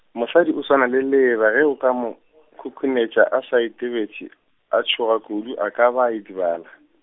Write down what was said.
mosadi o swana le leeba ge o ka mo , khukhunetša a sa itebetše, a tšhoga kudu a ka ba a idibala.